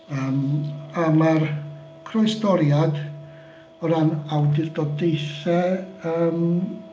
Yym a ma'r croesdoriad o ran awdurdodaethau yym...